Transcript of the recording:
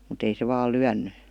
mutta ei se vain lyönyt